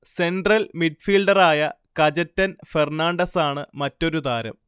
central മിഡ്ഫീൽഡറായ Cajetan ഫെർണാണ്ടസാണ് മറ്റൊരു താരം